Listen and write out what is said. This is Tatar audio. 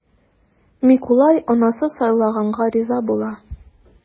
Микулай анасы сайлаганга риза була.